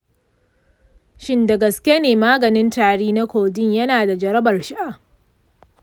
shin da gaske ne maganin tari na codeine yana da jarabar sha?